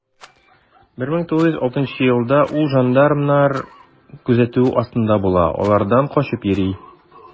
1906 елда ул жандармнар күзәтүе астында була, алардан качып йөри.